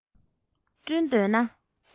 བསྐྲུན འདོད ན